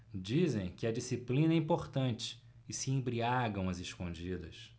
dizem que a disciplina é importante e se embriagam às escondidas